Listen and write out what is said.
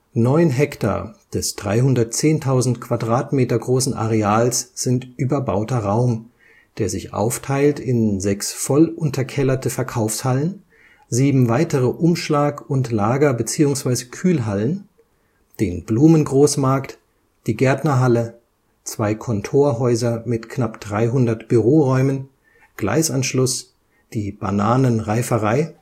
Neun Hektar des 310.000 Quadratmeter großen Areals sind überbauter Raum, der sich aufteilt in sechs voll unterkellerte Verkaufshallen, sieben weitere Umschlag - und Lager - beziehungsweise Kühlhallen, den Blumengroßmarkt, die Gärtnerhalle, zwei Kontorhäuser mit knapp 300 Büroräumen, Gleisanschluss, die Bananenreiferei